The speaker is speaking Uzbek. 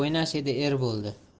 o'ynash edi er bo'ldi